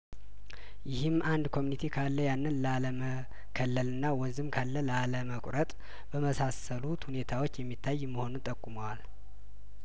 ይህም አንድ ኮሚኒቲ ካለያንን ላለመከለልና ወንዝም ካለላለመቁረጥ በመሳሰሉት ሁኔታዎች የሚታይ መሆኑን ጠቁመዋል